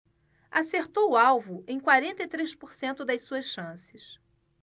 acertou o alvo em quarenta e três por cento das suas chances